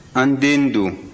an den don